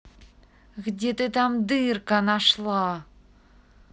где ты там дырка нашла